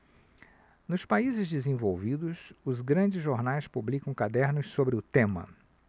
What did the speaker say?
nos países desenvolvidos os grandes jornais publicam cadernos sobre o tema